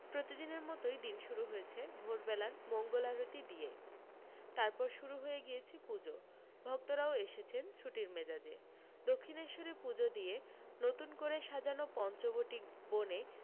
প্রতিদিনের মতোই দিন শুরু হয়েছে ভোরবেলার মঙ্গলারতি দিয়ে তারপর শুরু হয়ে গিয়েছে পূজো ভক্তরাও এসেছেন ছুটির মেজাজে দক্ষিণেশ্বরে পূজো দিয়ে নতুন করে সাজানো পঞ্চবটী বনে